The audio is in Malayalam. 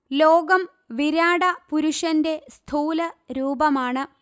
ലോകം വിരാട പുരുഷന്റെ സ്ഥൂല രൂപമാണ്